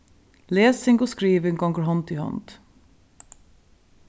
lesing og skriving gongur hond í hond